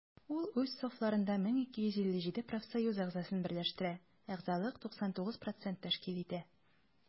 Ул үз сафларында 1257 профсоюз әгъзасын берләштерә, әгъзалык 99 % тәшкил итә.